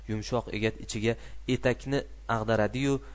yumshoq egat ichiga etakni ag'daradi yu